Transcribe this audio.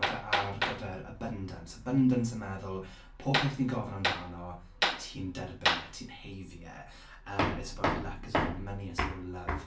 Ma' fe ar gyfer abundance. Abundance yn meddwl, pob peth ni'n gofyn amndano, ti'n derbyn e, ti'n haeddu e yym it's about luck, it's about money, it's about love.